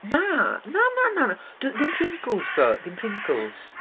Na, na, na, na, d- ddim Pringles ddo, dim Pringles.